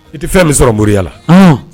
I tɛ fɛn min sɔrɔ moriya la